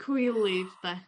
Cwilydd 'de...